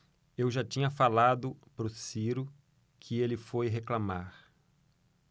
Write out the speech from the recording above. eu já tinha falado pro ciro que ele foi reclamar